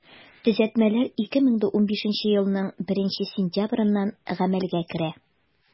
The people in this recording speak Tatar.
Төзәтмәләр 2015 елның 1 сентябреннән гамәлгә керә.